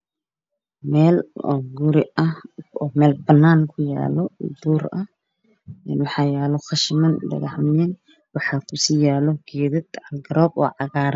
Waa meel guri ah oo meel banaan ah kuyaalo, waxaa yaalo dhagax, qashin iyo geedo caligaroob ah oo cagaaran.